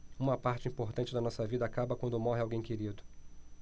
uma parte importante da nossa vida acaba quando morre alguém querido